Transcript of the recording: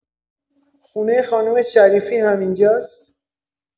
خونۀ خانم شریفی همین‌جاست؟